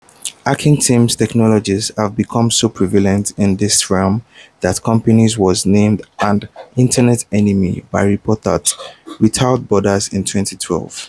Hacking Team technologies have become so prevalent in this realm that the company was named an “Internet Enemy” by Reporters Without Borders in 2012.